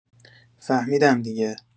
فهمیدم دیگه!